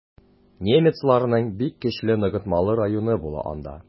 Немецларның бик көчле ныгытмалы районы була анда.